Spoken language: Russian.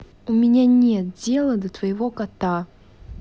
у меня нет дела до твоего кота